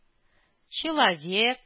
Человек